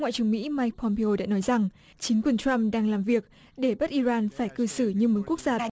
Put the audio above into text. ngoại trưởng mỹ mai pôm pi ô đã nói rằng chính quyền trăm đang làm việc để bắt i ran phải cư xử như một quốc gia